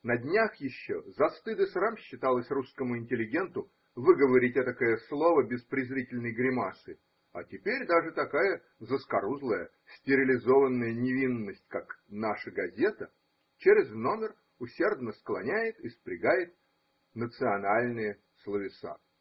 На днях еще за стыд и срам считалось русскому интеллигенту выго ворить этакое слово без презрительной гримасы, а теперь даже такая заскорузлая, стерилизованная не винность, как Наша газета, через номер усердно склоняет и спрягает национальные словеса.